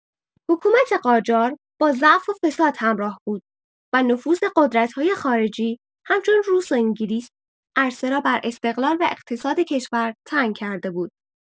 حکومت قاجار با ضعف و فساد همراه بود و نفوذ قدرت‌های خارجی همچون روس و انگلیس عرصه را بر استقلال و اقتصاد کشور تنگ کرده بود.